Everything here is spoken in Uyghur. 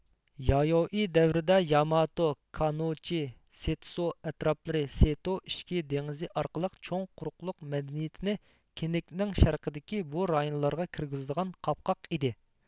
يايوئىي دەۋرىدە ياماتو كانۇچى سېتسو ئەتراپلىرى سېتو ئىچكى دېڭىزى ئارقىلىق چوڭ قۇرۇقلۇق مەدەنىيىتىنى كېنكىنىڭ شەرقىدىكى بۇ رايونلارغا كىرگۈزىدىغان قاپقاق ئىدى